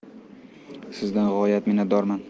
sizdan g'oyat minnatdorman